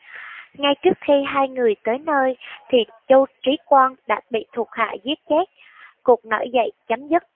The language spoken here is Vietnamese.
ngay trước khi hai người tới nơi thì chu trí quang đã bị thuộc hạ giết chết cuộc nổi dậy chấm dứt